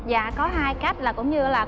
dạ có hai cách là cũng như là